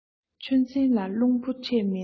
ཆུ འཛིན ལ རླུང བུ འཕྲད མེད ན